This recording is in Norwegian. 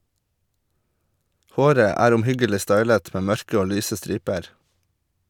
Håret er omhyggelig stylet med mørke og lyse striper.